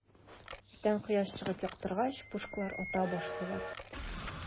Иртән кояш чыгып яктыргач, пушкалар ата башлыйлар.